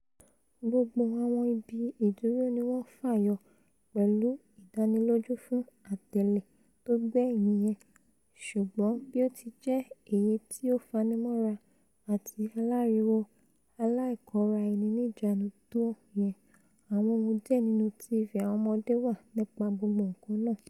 Gbogbo àwọn ibi ìdúró níwọ́n fàyọ pẹ̀lú ìdanílójú fún àtẹ̀lé tógbẹ̀yín yẹn, ṣùgbọ́n bí ó ti jẹ́ èyití ó fanimọ́ra àti aláriwo aláìkóraẹni-níìjánu tó yẹn, àwọn ohun díẹ̀ nínú TV àwọn ọmọdé wà nípa gbogbo nǹkan náà.